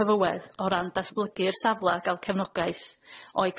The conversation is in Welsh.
hyfywedd o ran datblygu'r safla ga'l cefnogaeth o'i